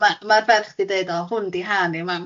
Ma' ma'r ferch di deud o hwn di ha ni mam.